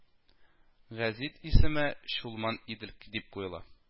Гәзит исеме Чулман-Идел дип куела